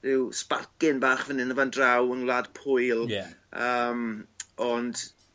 ryw sbarcyn bach fan 'yn a fan draw yng Ngwlad Pwyl. Ie. Yym ond